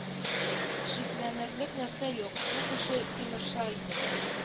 Шикләнерлек нәрсә юк, бу кеше тимерша иде